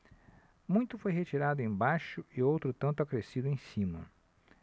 muito foi retirado embaixo e outro tanto acrescido em cima